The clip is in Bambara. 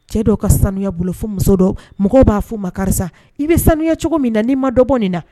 Cɛ dɔw ka sanuya bolofɔ muso dɔ mɔgɔ b'a fɔ ma karisa i bɛ sanu cogo min na'i ma dɔbɔ nin na